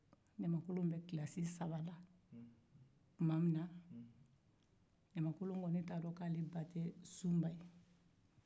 ɲamankolon bɛ kilasi saba la tuma min na a t'a dɔn ko sunba t'a ba ye